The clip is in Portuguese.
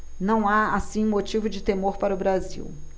não há assim motivo de temor para o brasil